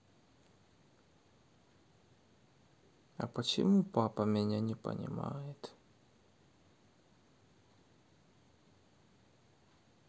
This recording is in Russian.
а почему папа меня не понимает